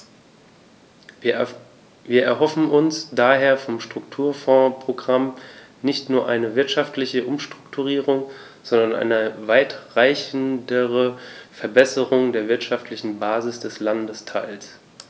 Wir erhoffen uns daher vom Strukturfondsprogramm nicht nur eine wirtschaftliche Umstrukturierung, sondern eine weitreichendere Verbesserung der wirtschaftlichen Basis des Landesteils.